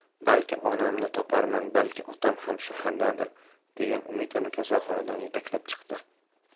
balki onamni toparman balki otam ham shahardadir degan umid uni kasalxonadan yetaklab chiqdi